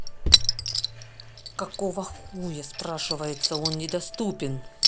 какого хуя спрашивается он недоступен